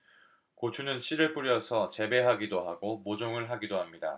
고추는 씨를 뿌려서 재배하기도 하고 모종을 하기도 합니다